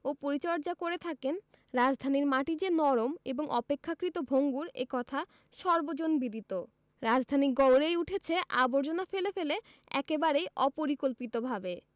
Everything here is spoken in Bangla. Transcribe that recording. ও পরিচর্যা করে থাকেন রাজধানীর মাটি যে নরম এবং অপেক্ষাকৃত ভঙ্গুর এ কথা সর্বজনবিদিত রাজধানী গওড়েই উঠেছে আবর্জনা ফেলে ফেলে একেবারেই অপরিকল্পিতভাবে